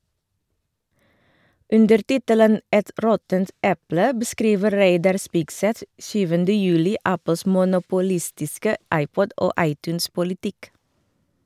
Under tittelen «Et råttent eple» beskriver Reidar Spigseth 7. juli Apples monopolistiske iPod- og iTunes-politikk.